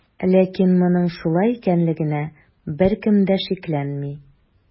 Ләкин моның шулай икәнлегенә беркем дә шикләнми.